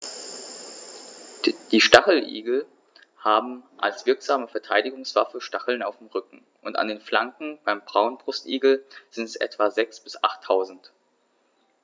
Die Stacheligel haben als wirksame Verteidigungswaffe Stacheln am Rücken und an den Flanken (beim Braunbrustigel sind es etwa sechs- bis achttausend).